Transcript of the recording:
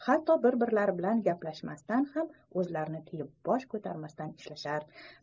hatto bir birlari bilan gaplashishdan ham o'zlarini tiyib bosh ko'tarmasdan ishlashar